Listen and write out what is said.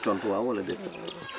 tontu waaw wala déet